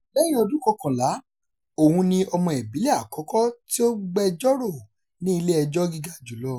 Lẹ́yìn ọdún kọ́kànlá, òun ni ọmọ ìbílẹ̀ àkọ́kọ́ tí ó gbẹjọ́rò ní ilé-ẹjọ́ gíga jùlọ.